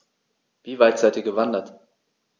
Wie weit seid Ihr gewandert?